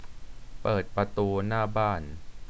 เปิดประตูหน้าบ้าน